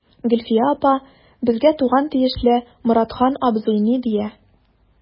Гөлфия апа, безгә туган тиешле Моратхан абзый ни дия.